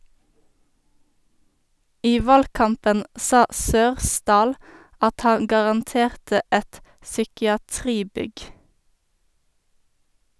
I valgkampen sa Sørsdahl at han garanterte et psykiatribygg.